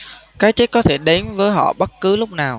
cái chết có thể đến với họ bất cứ lúc nào